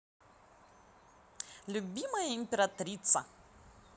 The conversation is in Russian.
любимая императрица